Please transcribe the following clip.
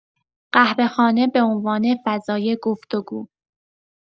قهوه‌خانه به‌عنوان فضای گفت‌وگو